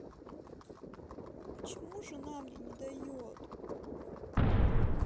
почему жена мне не дает